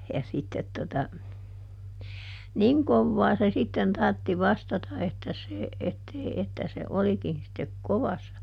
ja sitten tuota niin kovaa se sitten tarvitsi vastata että se että ei että se olikin sitten kovassa